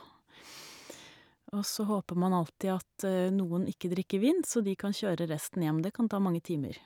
Og så håper man alltid at noen ikke drikker vin så de kan kjøre resten hjem, det kan ta mange timer.